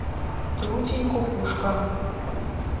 трутень кукушка